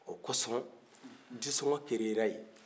o kosɔn disɔngɔ ''creera'' yen